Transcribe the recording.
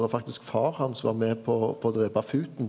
det var faktisk faren hans som var med på på å drepa futen.